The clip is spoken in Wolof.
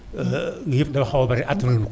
yëpp dafa xaw a bare attanuñu ko